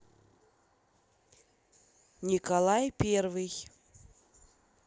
николай первый